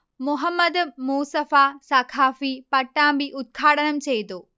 മുഹമ്മദ് മൂസഫ സഖാഫി പട്ടാമ്പി ഉദ്ഘാടനം ചെയ്തു